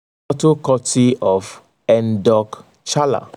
Photo courtesy of Endalk Chala.